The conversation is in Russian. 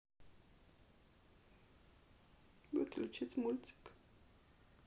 выключить мультик